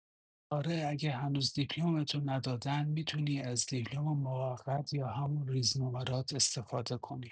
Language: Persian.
اره اگه هنوز دیپلمتو ندادند می‌تونی از دیپلم موقت یا همون ریزنمرات استفاده کنی